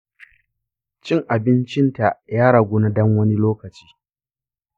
cin abincinta ya ragu na dan wani lokaci.